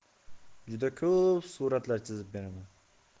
juda ko'p suratlar chizib beraman